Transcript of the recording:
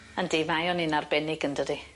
Yndi mae o'n un arbennig yndydi?